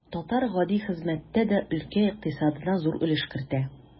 Татар гади хезмәттә дә өлкә икътисадына зур өлеш кертә.